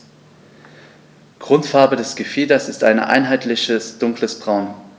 Grundfarbe des Gefieders ist ein einheitliches dunkles Braun.